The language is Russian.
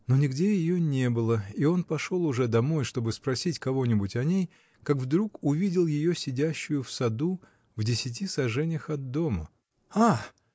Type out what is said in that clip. Но нигде ее не было, и он пошел уже домой, чтоб спросить кого-нибудь о ней, как вдруг увидел ее сидящую в саду, в десяти саженях от дома. — Ах!